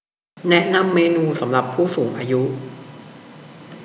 แนะนำเมนูสำหรับผู้สูงอายุ